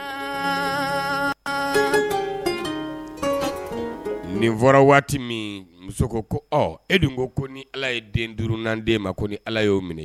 Aa nin fɔra waati min muso ko ko e dun ko ko ni ala ye den duurunanden ma ko ni ala y'o minɛ